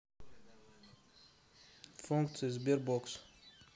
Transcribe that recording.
функции sberbox